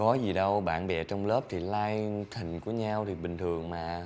có gì đâu bạn bè trong lớp thì lai hình của nhau thì bình thường mà